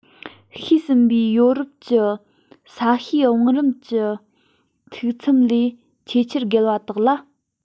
ཤེས ཟིན པའི ཡོ རོབ ཀྱི ས གཤིས བང རིམ གྱི ཐིག མཚམས ལས ཆེས ཆེར བརྒལ བ དག ལ